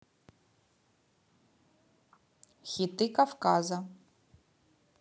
хиты кавказа